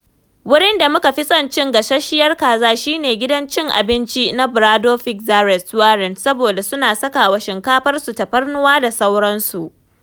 Wurin da muka fi son mu ci gasasshiyar kaza shi ne gidan cin abinci na Brador Pizza Restaurant saboda suna saka wa shinkafarsu tafarnuwa da sauransu.